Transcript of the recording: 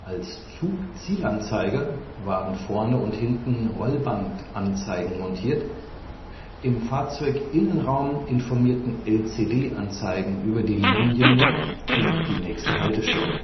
Als Zugzielanzeiger waren vorne und hinten Rollbandanzeigen montiert, im Fahrzeuginnenraum informierten LCD-Anzeigen über die Liniennummer und die nächste Haltestelle